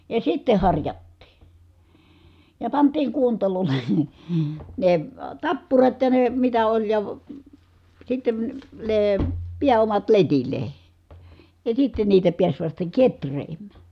ja sitten harjattiin ja pantiin kuontaloille ne tappurat ja ne mitä oli ja sitten ne pääomat letille ja sitten niitä pääsi vasta kehräämään